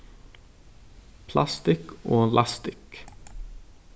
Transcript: plastikk og lastikk